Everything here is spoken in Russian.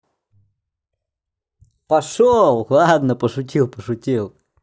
пошел ладно пошутил пошутил